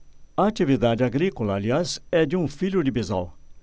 a atividade agrícola aliás é de um filho de bisol